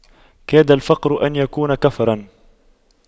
كاد الفقر أن يكون كفراً